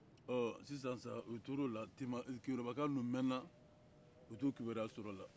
ɔ sisan sa o tor'o la tema keyorobaka ninnu mɛnna o t'u kibaruya sɔrɔ a la